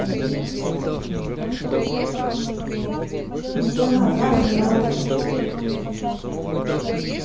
чемпионат англии лестер